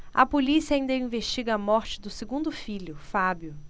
a polícia ainda investiga a morte do segundo filho fábio